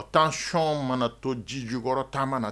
Tension mana to ji jukɔrɔ taama na